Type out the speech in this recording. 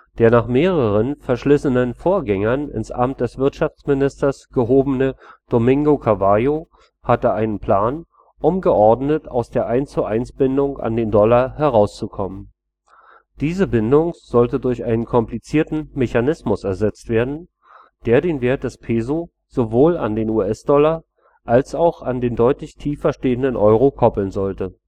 Der nach mehreren verschlissenen Vorgängern ins Amt des Wirtschaftsministers gehobene Domingo Cavallo hatte einen Plan, um geordnet aus der 1:1-Bindung an den Dollar herauszukommen. Diese Bindung sollte durch einen komplizierten Mechanismus ersetzt werden, der den Wert des Pesos sowohl an den US-Dollar als auch an den deutlich tiefer stehenden Euro koppeln sollte